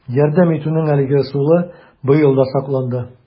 Ярдәм итүнең әлеге ысулы быел да сакланды: